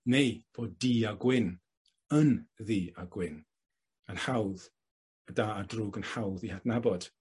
Neu o du a gwyn yn ddu a gwyn yn hawdd, y da a drwg yn hawdd 'u hadnabod.